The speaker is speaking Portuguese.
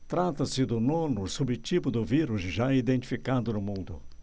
trata-se do nono subtipo do vírus já identificado no mundo